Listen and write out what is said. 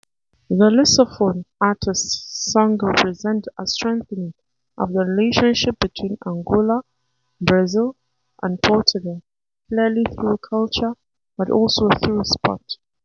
The Lusophone artists’ song represents a strengthening of the relationship between Angola, Brazil and Portugal — clearly through culture, but also through sport.